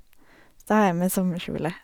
Så da har jeg med sommerskjole.